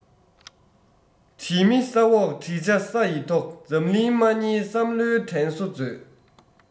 བྲིས མི ས འོག བྲིས ཆ ས ཡི ཐོག འཛམ གླིང མ བསྙེལ བསམ བློའི དྲན གསོ མཛོད